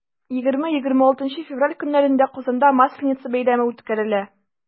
20-26 февраль көннәрендә казанда масленица бәйрәме үткәрелә.